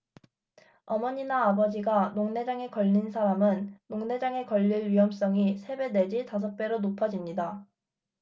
어머니나 아버지가 녹내장에 걸린 사람은 녹내장에 걸릴 위험성이 세 배 내지 다섯 배로 높아집니다